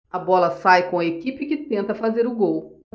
a bola sai com a equipe que tenta fazer o gol